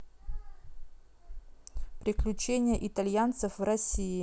приключения итальянцев в россии